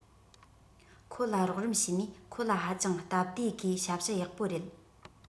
ཁོང ལ རོགས རམ བྱས ནས ཁོ ལ ཧ ཅང སྟབས བདེ སྒོས ཞབས ཞུ ཡག པོ རེད